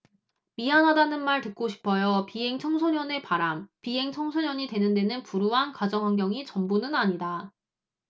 미안하다는 말 듣고 싶어요 비행청소년의 바람 비행청소년이 되는 데는 불우한 가정환경이 전부는 아니다